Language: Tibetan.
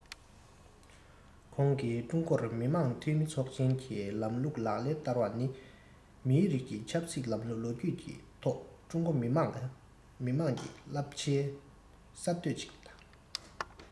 ཁོང གིས ཀྲུང གོར མི དམངས འཐུས མི ཚོགས ཆེན གྱི ལམ ལུགས ལག ལེན བསྟར བ ནི མིའི རིགས ཀྱི ཆབ སྲིད ལམ ལུགས ལོ རྒྱུས ཐོག གི ཀྲུང གོ མི དམངས ཀྱི རླབས ཆེའི གསར གཏོད ཅིག དང